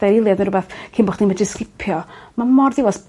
eiliad neu rwbath cyn bo' chdi'n medru sgipio ma' mor ddiflas